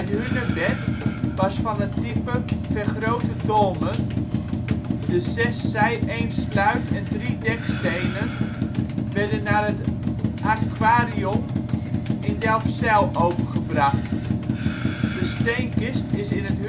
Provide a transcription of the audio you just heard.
hunebed was van het type ' vergrote dolmen '. De 6 zij -, 1 sluit -, en 3 dekstenen werden naar het AquariOm in Delfzijl overgebracht. De steenkist is in het